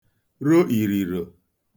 ro ìrìrò